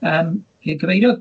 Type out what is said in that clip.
Yym ie gyfeiriodd...